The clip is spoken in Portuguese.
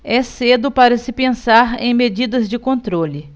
é cedo para se pensar em medidas de controle